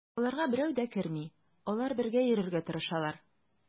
Аларга берәү дә керми, алар бергә йөрергә тырышалар.